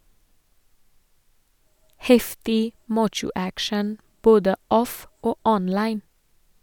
Heftig macho-action både off- og online.